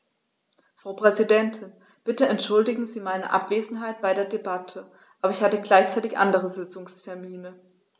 Frau Präsidentin, bitte entschuldigen Sie meine Abwesenheit bei der Debatte, aber ich hatte gleichzeitig andere Sitzungstermine.